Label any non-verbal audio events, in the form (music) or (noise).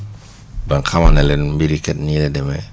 (breath) donc xamal na leen mbir yi kat nii la demee